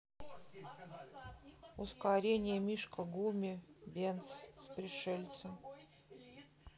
ускорение мишка гумми бенц с пришельцем